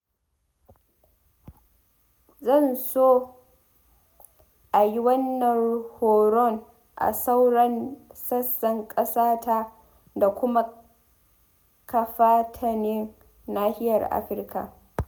Zan so a yi wannan horon a sauran sassan ƙasata da kuma kafatanin nahiyar Afirka.